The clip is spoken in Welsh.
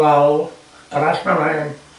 wal.